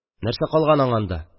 – нәрсә калган аңа анда?